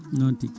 noon tigui